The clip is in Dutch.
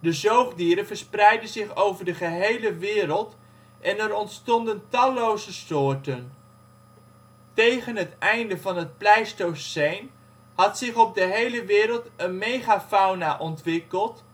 De zoogdieren verspreidden zich over de gehele wereld en er ontstonden talloze soorten. Tegen het einde van het Pleistoceen had zich op de hele wereld een " megafauna " ontwikkeld